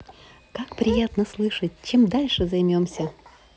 как приятно слышать чем дальше займемся